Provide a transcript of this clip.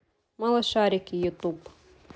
малышарики ютюб